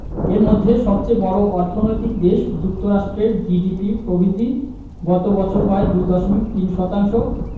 এর মধ্যে সবচেয়ে বড় অর্থনৈতিক দেশ যুক্তরাষ্ট্রের জিডিপি প্রবৃদ্ধি গত বছর হয় ২.৩ শতাংশ